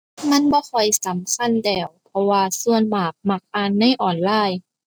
มันบ่ค่อยสำคัญแล้ว เพราะว่าส่วนมากมักอ่านในออนไลน์